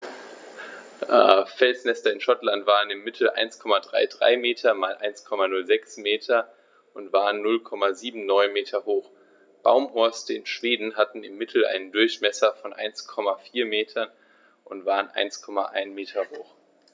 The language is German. Felsnester in Schottland maßen im Mittel 1,33 m x 1,06 m und waren 0,79 m hoch, Baumhorste in Schweden hatten im Mittel einen Durchmesser von 1,4 m und waren 1,1 m hoch.